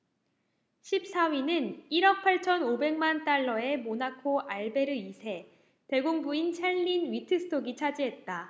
십 사 위는 일 억 팔천 오백 만 달러의 모나코 알베르 이 세 대공 부인 샬린 위트스톡이 차지했다